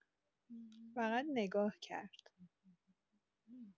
فقط نگاه کرد.